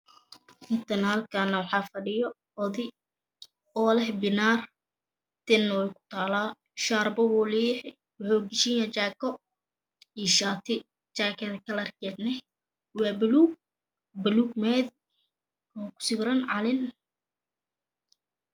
Intana halkaan waxa fadhiyo oday oo leh bidaar tina way kutaala sharbo uu leeyahay wuxuu gishan yahay jaako iyo shaati jaakada kalarkeedana waa bulug buluug maari oo ku sawiran caleen